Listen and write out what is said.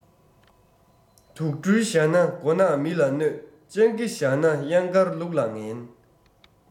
དུག སྦྲུལ བཞག ན མགོ ནག མི ལ གནོད སྤྱང ཀི བཞག ན གཡང དཀར ལུག ལ ངན